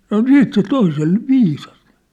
sanoi sitten se toiselle viisas